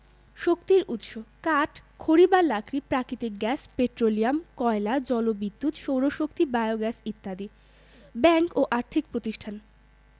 শক্তির উৎস কাঠ খড়ি বা লাকড়ি প্রাকৃতিক গ্যাস পেট্রোলিয়াম কয়লা জলবিদ্যুৎ সৌরশক্তি বায়োগ্যাস ইত্যাদি ব্যাংক ও আর্থিক প্রতিষ্ঠান